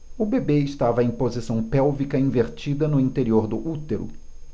o bebê estava em posição pélvica invertida no interior do útero